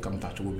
Ka taa cogo bilen